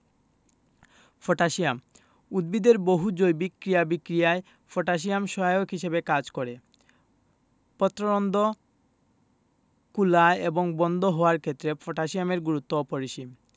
potassium উদ্ভিদের বহু জৈবিক ক্রিয়া বিক্রিয়ায় পটাশিয়াম সহায়ক হিসেবে কাজ করে পত্ররন্ধ খোলা এবং বন্ধ হওয়ার ক্ষেত্রে পটাশিয়ামের গুরুত্ব অপরিসীম